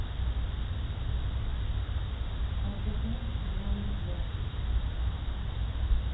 поставь музыку в жанре джаз